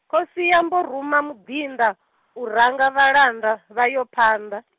khosi yambo ruma muḓinḓa, u ranga vhalanda, vhayo phanḓa .